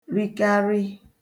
rikarị